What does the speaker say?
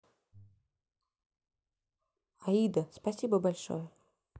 аида спасибо большое